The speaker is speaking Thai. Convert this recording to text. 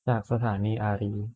จากสถานีอารีย์